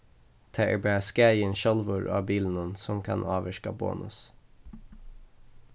tað er bara skaðin sjálvur á bilinum sum kann ávirka bonus